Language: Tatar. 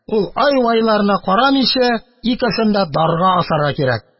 Ул: Ай-вайларына карамыйча, икесен дә дарга асарга кирәк.